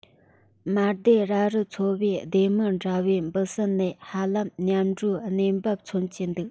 མ སྡེ ར རུ འཚོ བའི སྡེ མི འདྲ བའི འབུ སྲིན ནས ཧ ལམ མཉམ འགྲོའི གནས བབ མཚོན གྱི འདུག